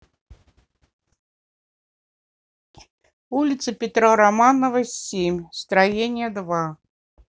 улица петра романова семь строение два